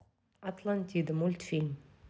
атлантида мультфильм